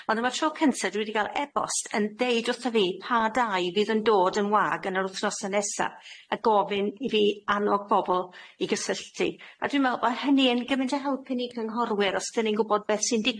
ond dyma tro cynta dwi 'di ga'l ebost yn deud wrtho fi pa dai fydd yn dod yn wag yn yr wthnosa nesa, a gofyn i fi annog bobol i gysylltu. A dwi'n me'wl bo' hynny yn gymint o helpu ni gynghorwyr os 'dyn ni'n gwbod beth sy'n digwydd